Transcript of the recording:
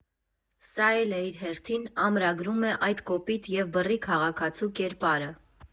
Սա էլ է իր հերթին ամրագրում է այդ «կոպիտ և բռի քաղաքացու» կերպարը։